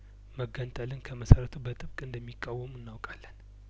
መገንጠልን ከመሰረቱ በጥብቅ እንደሚቃወሙ እናውቃለን